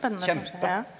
kjempe.